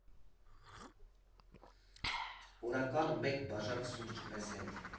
Օրական մեկ բաժակ սուրճ մեզ հետ։